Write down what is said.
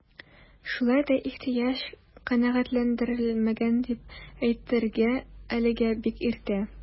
Шулай да ихтыяҗ канәгатьләндерелгән дип әйтергә әлегә бик иртә.